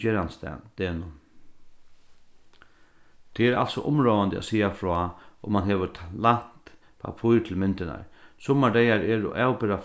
degnum tað er altso umráðandi at siga frá um mann hevur lænt pappír til myndirnar summar dagar eru avbera